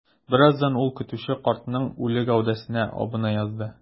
Бераздан ул көтүче картның үле гәүдәсенә абына язды.